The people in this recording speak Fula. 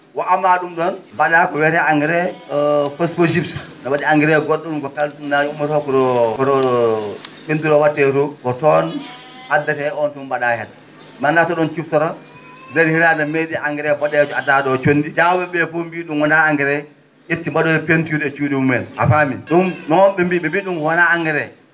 wa ammaa ?um ?oon mba?aa ko engrais pospo* ne wa?i engrais go??o ?um ummoto koto koto peintutre wa?etee too ko toon addetee oon tuma mba?aa heen mi annda so o?on ciftora nde hiitande mee?i engrais bu?eejo addaa ?oo Diaw ?e?e fof mbi ?um wonaa engrais ?etti mba?oyi peinture e cuu?i mumen a faamii ?um noon ?e mbi ?i ?um wona engrais